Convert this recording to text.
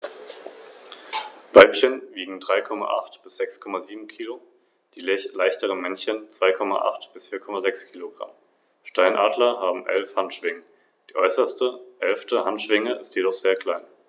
In seiner östlichen Hälfte mischte sich dieser Einfluss mit griechisch-hellenistischen und orientalischen Elementen.